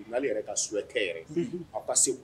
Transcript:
Ngale yɛrɛ ka choix tɛyɛrɛ aw ka segu